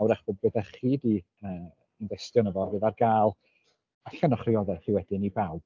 A wrach fydd be dach chi di infestio yno fo fydd ar gael allan o'ch rheolaeth chi wedyn i bawb.